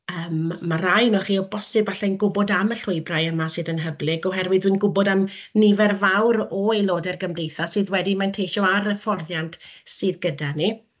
Yym ma' rai ohonoch chi o bosib efallai yn gwybod am y llwybrau yma sydd yn hyblyg oherwydd dwi'n gwybod am nifer fawr o aelodau'r gymdeithas sydd wedi manteisio ar hyfforddiant sydd gyda ni.